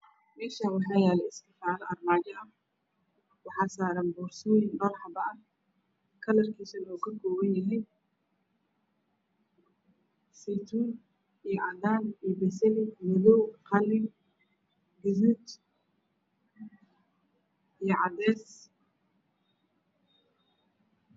Meeahan waxaa yala iska falo armajo ah waxaa saran borsooyin laba xabo ah kalar kiisuna wuxuu ka koban yahay seytuni iyo cadan iyo basali madow qalin gaduud iyo caadees